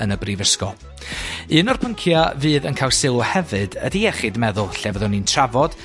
yn y brifysgol. Un o'r pyncia' fydd yn ca'l sylw hefyd ydi iechyd meddwl lle fyddwn ni'n trafod